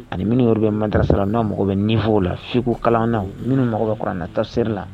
Ani minnu yɔrɔ bɛ mandasira n'o mago bɛ nifw la fiko kala na minnu mago bɛ k nataseri la